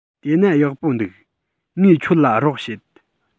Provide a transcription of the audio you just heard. དེ ན ཡག པོ འདུག ངས ཁྱོད ལ རོགས བྱེད